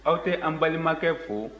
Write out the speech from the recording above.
aw tɛ an balimakɛ fo